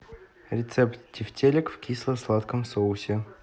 рецепт тефтелек в кисло сладком соусе